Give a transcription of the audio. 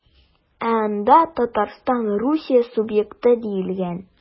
Ә анда Татарстан Русия субъекты диелгән.